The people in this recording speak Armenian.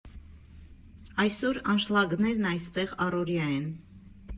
Այսօր անշլագներն այստեղ առօրյա են։